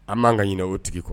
An b'an ka ɲinin o tigi kɔ